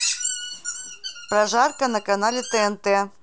прожарка на канале тнт